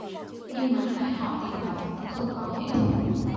nhưng mà cái họ tìm đọc không có hệ thống